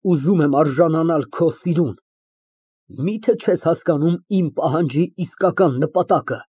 Ուզում եմ արժանանալ քո սիրուն։ Մի՞թե չես հասկանում իմ պահանջի իսկական նպատակը։